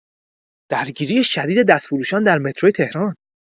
درگیری شدید دستفروشان در مترو تهران